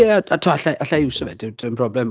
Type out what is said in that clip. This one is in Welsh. Ia a tibod, alla alla i iwso fe dim dim problem.